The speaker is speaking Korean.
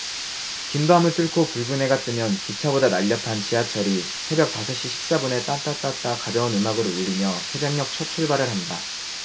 긴 밤을 뚫고 붉은 해가 뜨면 기차보다 날렵한 지하철이 새벽 다섯시 십사분에 따따따따 가벼운 음악을 울리며 새벽녘 첫출발을 한다